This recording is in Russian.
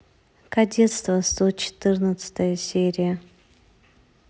кадетство сто четырнадцатая серия